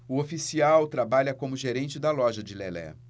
o oficial trabalha como gerente da loja de lelé